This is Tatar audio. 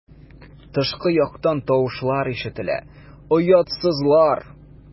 Тышкы яктан тавышлар ишетелә: "Оятсызлар!"